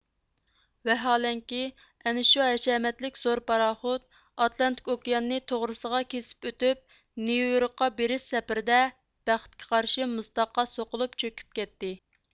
ۋەھالەنكى ئەنە شۇ ھەشەمەتلىك زور پاراخوت ئاتلانتىك ئوكياننى توغرىسىغا كېسىپ ئۆتۈپ نيۇ يوركقا بېرىش سەپىرىدە بەختكە قارشى مۇز تاغقا سوقۇلۇپ چۆكۈپ كەتتى